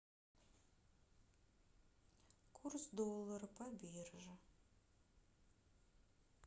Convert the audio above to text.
курс доллара по бирже